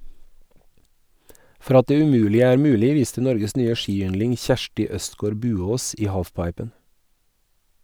For at det umulige er mulig viste Norges nye skiyndling Kjersti Østgaard Buaas i halfpipen.